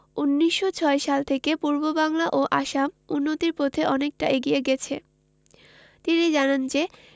১৯০৬ সাল থেকে পূর্ববাংলা ও আসাম উন্নতির পথে অনেকটা এগিয়ে গেছে তিনি জানান যে